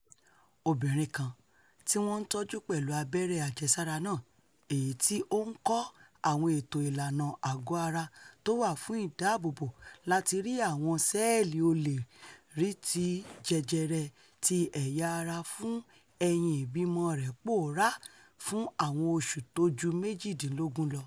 Obìnrin kan tíwọ́n tọ́jú pẹ̀lú abẹ́rẹ́ àjẹsára náà, èyití ó ńkọ́ àwọn ètò ìlànà àgọ́-ara tówà fún ìdáààbòbò láti ri àwọn ṣẹ̵́ẹ̀lì olè, ríi ti jẹjẹrẹ ti ẹ̀yà-ara fún ẹyin ìbímọ rẹ̀ pòórá fún àwọn oṣù tóju méjìdínlógún lọ.